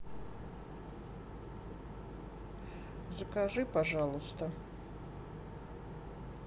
закажи пожалуйста